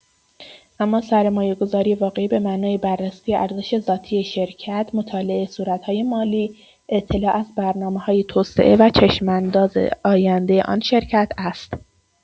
اما سرمایه‌گذاری واقعی به معنای بررسی ارزش ذاتی شرکت، مطالعه صورت‌های مالی، اطلاع از برنامه‌‌های توسعه و چشم‌انداز آینده آن شرکت است.